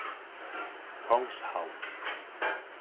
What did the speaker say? kongshavn